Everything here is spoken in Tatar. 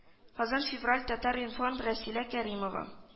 Казан февраль татар-информ рәсилә кәримова